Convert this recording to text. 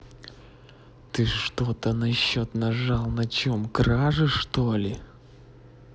ты что то насчет нажал на чем кражи что ли